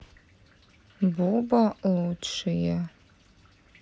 буба лучшее